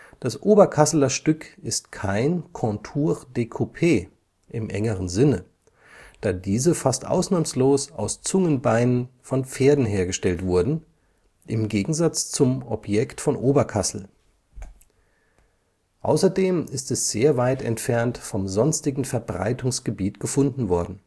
Das Oberkasseler Stück ist kein contour découpé im engeren Sinne, da diese fast ausnahmslos aus Zungenbeinen von Pferden hergestellt wurden, im Gegensatz zum Objekt von Oberkassel. Außerdem ist es sehr weit entfernt vom sonstigen Verbreitungsgebiet gefunden worden